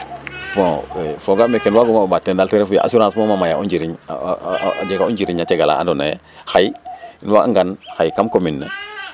bon foogaam ee ke waaguuma waag o ɓat teen rek ten refu ye assurance moom a maya o njiriñ a jega o njiriña ceg alaa andoona yee xay um waagangan xay kam commune ne